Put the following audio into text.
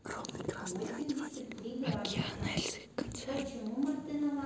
океан эльзы концерт